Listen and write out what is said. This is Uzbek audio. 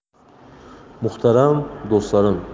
muhtaram do'stlarim